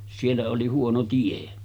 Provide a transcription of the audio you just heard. siellä oli huono tie